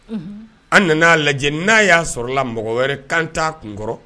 An nan'a lajɛ n'a y'a sɔrɔla mɔgɔ wɛrɛ kan t'a kunkɔrɔ